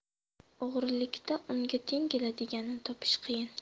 o'g'rilikda unga teng keladiganini topish qiyin